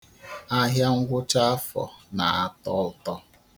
Ahịa ngwụchaafọ na-atọ ụtọ.